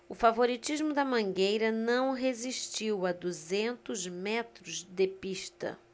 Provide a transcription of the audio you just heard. o favoritismo da mangueira não resistiu a duzentos metros de pista